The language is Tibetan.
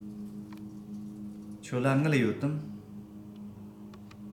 ཁྱོད ལ དངུལ ཡོད དམ